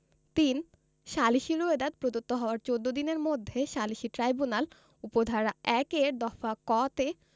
৩ সালিসী রোয়েদাদ প্রদত্ত হওয়ার চৌদ্দ দিনের মধ্যে সালিসী ট্রাইব্যুনাল উপ ধারা ১ এর দফা ক তে